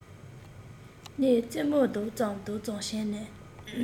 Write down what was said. སྣའི རྩེ མོ ལྡག ཙམ ལྡག ཙམ བྱས ནས